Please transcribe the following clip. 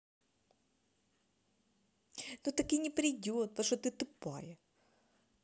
ну так и не придет потому что ты тупая